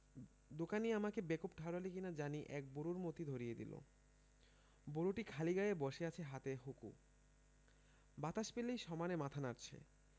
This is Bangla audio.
দোকানী অমিকে বেকুব ঠাওড়ালী কিনা জানি এক বুড়োর মতী ধরিয়ে দিল বুড়োটি খালি গায়ে বসে আছে হাতে হুঁকো বাতাস পেলেই সমানে মাথা নাড়ছে